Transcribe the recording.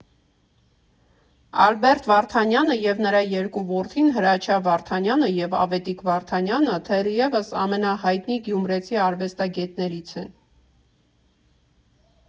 Ալբերտ Վարդանյանը և նրա երկու որդին՝ Հրաչյա Վարդանյանը և Ավետիք Վարդանյանը, թերևս, ամենահայտնի գյումրեցի արվեստագետներից են։